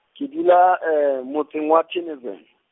ke dula motseng wa Theunissen.